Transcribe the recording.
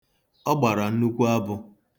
Ọ gbara nnukwu abụ.